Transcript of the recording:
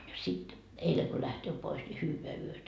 ja sitten eilen kun lähtee pois niin hyvää yötä